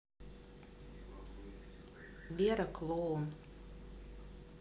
вера клоун